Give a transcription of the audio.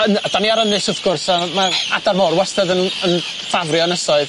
Yy n- 'da ni ar ynys wrth gwrs a ma' adar môr wastad yn yn ffafrio ynysoedd